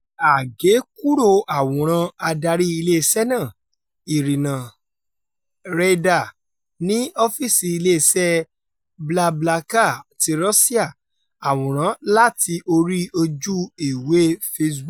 Àgékúrò àwòrán adarí iléeṣẹ́ náà, Irina Reyder ní ọ́fíìsì iléeṣẹ́ BlaBlaCar ti Russia. Àwòrán láti orí Ojú ewé. Facebook